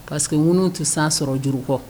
Pa que ŋ tɛ san sɔrɔ juru kɔ